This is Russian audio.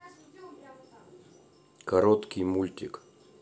короткий мультик